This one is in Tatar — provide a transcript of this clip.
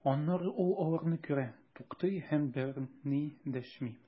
Аннары ул аларны күрә, туктый һәм берни дәшми.